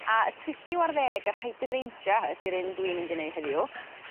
a y trilliw ar ddeg yr hydrangea ydi'r un dwi'n mynd i neud heddiw